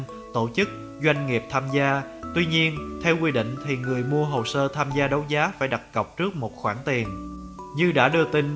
tổ chức doanh nghiệp tham gia tuy nhiên theo quy định thì người mua hồ sơ tham gia đấu giá phải đặt cọc trước một khoản tiền